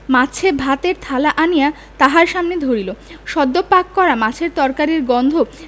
মাছ ভাতের থালা আনিয়া তাহার সামনে ধরিল সদ্য পাক করা মাছের তরকারির গন্ধ